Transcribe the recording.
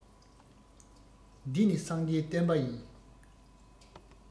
འདི ནི སངས རྒྱས བསྟན པ ཡིན